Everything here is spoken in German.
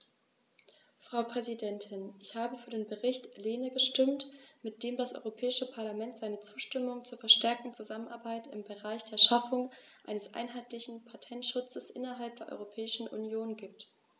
Frau Präsidentin, ich habe für den Bericht Lehne gestimmt, mit dem das Europäische Parlament seine Zustimmung zur verstärkten Zusammenarbeit im Bereich der Schaffung eines einheitlichen Patentschutzes innerhalb der Europäischen Union gibt.